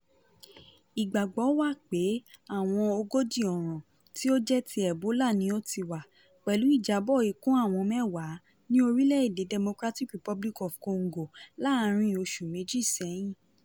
Ìgbàgbọ́ wà pé àwọn ọ̀ràn 40 tí ó jẹ́ tí ebola ni ó ti wà, pẹ̀lú ìjábọ̀ ikú àwọn mẹ́wàá ní orílẹ̀ èdè Democratic Republic of Congo láàárín oṣù méjì sẹ́yìn.